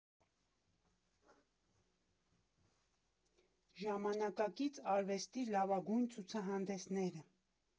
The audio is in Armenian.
Ժամանակակից արվեստի լավագույն ցուցահանդեսները։